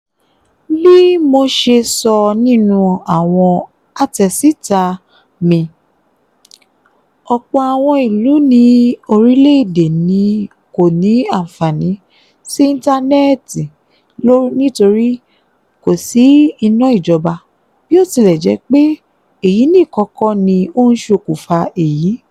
Bí mo ṣe sọ nínú àwọn àtẹ̀síta mi [Fr], ọ̀pọ̀ àwọn ìlú ní orílẹ̀ èdè ní kò ní àńfààní sí íntànẹ́ẹ̀tí nítorí kò sí ìná ìjọba, bí ó tilẹ̀ jẹ́ pé èyí nìkan kọ́ ní ó ń ṣokùnfa èyí.